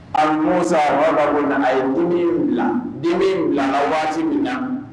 Musa ko na a ye ko min bila bi bila waati min na